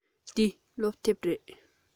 འདི སློབ དེབ རེད